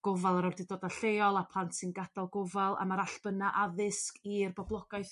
Gofal yr awdurdoda' lleol a plant sy'n gadal gofal am yr allbynna' addysg i'r boblogaeth